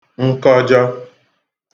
nkọjọ